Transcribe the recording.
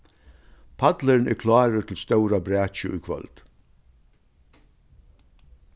pallurin er klárur til stóra brakið í kvøld